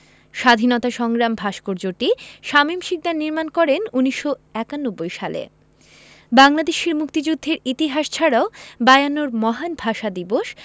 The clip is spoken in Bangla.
স্বাধীনতা সংগ্রাম ভাস্কর্যটি শামীম শিকদার নির্মাণ করেন ১৯৯১ সালে বাংলাদেশের মুক্তিযুদ্ধের ইতিহাস ছাড়াও বায়ান্নর মহান ভাষা দিবস